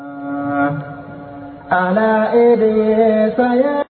San ala esan ye